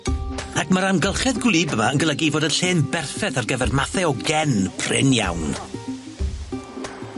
ac ma'r amgylchedd gwlyb yma yn golygu fod y lle'n berffeth ar gyfer mathe o gen prin iawn.